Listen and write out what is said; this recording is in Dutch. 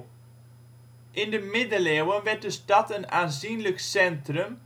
In de Middeleeuwen werd de stad een aanzienlijk centrum